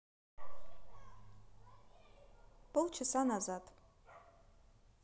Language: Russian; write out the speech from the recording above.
полчаса назад